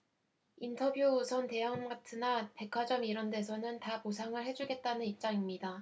인터뷰 우선 대형마트나 백화점 이런 데서는 다 보상을 해 주겠다는 입장입니다